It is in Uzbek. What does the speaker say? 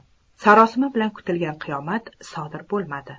sarosima bilan kutilgan qiyomat sodir bo'lmadi